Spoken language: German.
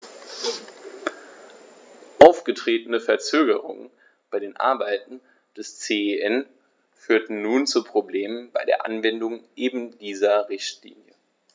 Aufgetretene Verzögerungen bei den Arbeiten des CEN führen nun zu Problemen bei der Anwendung eben dieser Richtlinie.